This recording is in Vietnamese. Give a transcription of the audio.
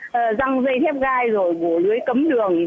ờ giăng dây thép gai rồi bủa lưới cấm đường